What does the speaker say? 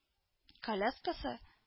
— коляскасы